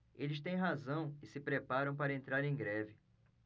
eles têm razão e se preparam para entrar em greve